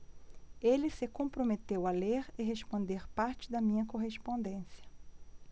ele se comprometeu a ler e responder parte da minha correspondência